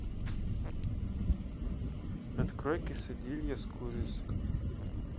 открой кесадилья с курицей